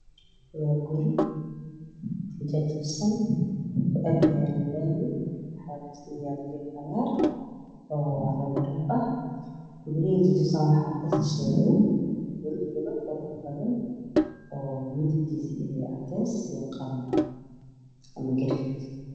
waa guri jajabsan ku agyaala laami waxaa ku sii yaala geed cagaar oo cali garaab ah guriyihii jajabsan waxaa ka shisheeya guriya fila ah oo midabkiisa yahay cadeys ama qalin ama green